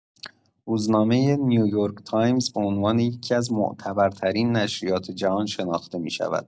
روزنامه نیویورک‌تایمز به عنوان یکی‌از معتبرترین نشریات جهان شناخته می‌شود.